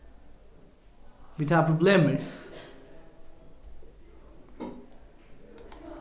vit hava problemir